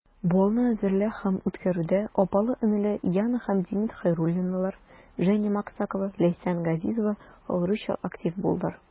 Балны әзерләү һәм үткәрүдә апалы-энеле Яна һәм Демид Хәйруллиннар, Женя Максакова, Ләйсән Газизова аеруча актив булдылар.